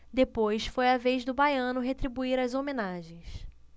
depois foi a vez do baiano retribuir as homenagens